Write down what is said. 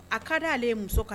A ka di aleale ye muso ka